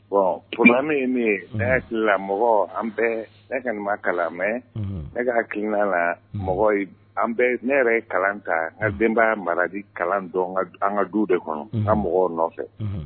Bon problème unhun, ne hakili mɔgɔ an bɛ, ne kɔni ma kalan mais ne ka hakilina la mɔgɔ, an bɛ, ne yɛrɛ ye kalan ta, ka n ka denbaya marali kalan dɔn an ka du de kɔnɔ n ka mɔgɔw nɔfɛ